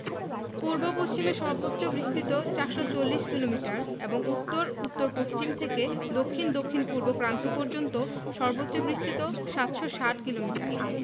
পূর্ব পশ্চিমে সর্বোচ্চ বিস্তৃত ৪৪০ কিলোমিটার এবং উত্তর উত্তর পশ্চিম থেকে দক্ষিণ দক্ষিণপূর্ব প্রান্ত পর্যন্ত সর্বোচ্চ বিস্তৃত ৭৬০ কিলোমিটার